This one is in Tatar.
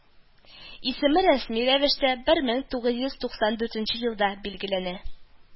Исеме рәсми рәвештә бер мең тугыз йөз туксаң дүртенче тугелда билгеләнә